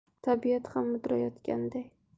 tabiat ham mudrayotganday